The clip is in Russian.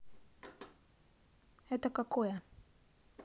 это какое